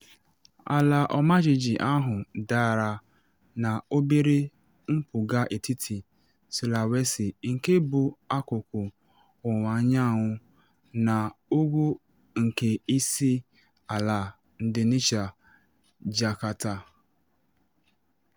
Ala ọmajiji ahụ dara na obere mpụga etiti Sulawesi nke bụ akụkụ ọwụwa anyanwụ na ugwu nke isi ala Indonesia, Jakarta.